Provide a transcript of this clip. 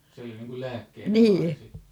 se oli niin kuin lääkkeenä vain sitten